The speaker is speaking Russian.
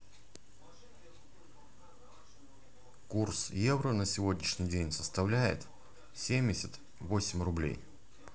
какой курс евро на сегодня